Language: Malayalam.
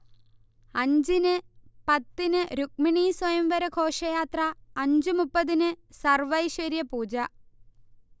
അഞ്ചിന് പത്തിന് രുക്മിണീസ്വയംവര ഘോഷയാത്ര അഞ്ചു മുപ്പതിന് സർവൈശ്വര്യപൂജ